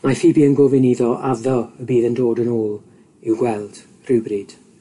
Mae Pheobe yn gofyn iddo addo y bydd yn dod yn ôl i'w gweld rhywbryd.